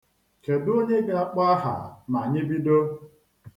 Kedu onye ga-akpọ aha ma anyị bido?